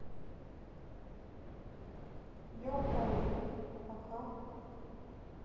я ухожу пока